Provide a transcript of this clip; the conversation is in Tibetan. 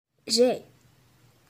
རེད